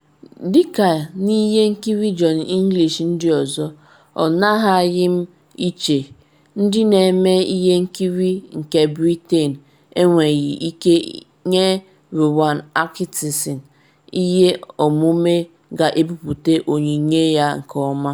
Dịka n’ihe nkiri Johnny English ndị ọzọ, ọ naghaghị m ịche: ndị na-eme ihe nkiri nke Britain enweghi ike nye Rowan Atkinson ihe omume ga-ebuputa onyinye ya nke ọma?